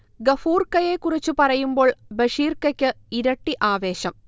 ഗഫൂർക്കയെ കുറിച്ച് പറയുമ്പോൾ ബഷീർക്കക്ക് ഇരട്ടി ആവേശം